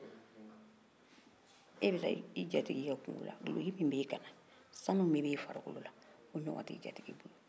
e be t'i jatigi ka kunko la duloki min b'e kanna sanu min b'e fari kolo la o ɲɔgɔn t'e jatigi bolo a b'i sɔn ni mun ye